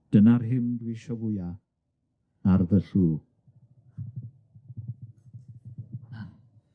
Dyna'r hyn dwi isio fwya ar fy llw.